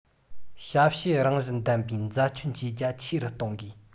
ཞབས ཞུའི རང བཞིན ལྡན པའི འཛད སྤྱོད བྱེད རྒྱ ཆེ རུ གཏོང དགོས